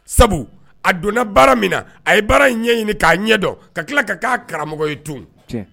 Sabu a donna baara min na a ye baara in ɲɛ ɲini k'a ɲɛdɔn ka tila ka'a karamɔgɔ ye tun